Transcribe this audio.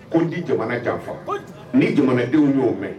Ko n ti jamana janfa, ni jamanadenw y'o mɛn,